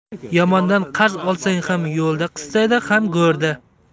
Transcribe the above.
yomondan qarz olsang ham yo'lda qistaydi ham go'rda